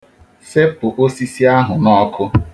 Sepụ osisi ahụ n'ọkụ.